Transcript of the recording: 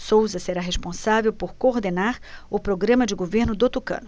souza será responsável por coordenar o programa de governo do tucano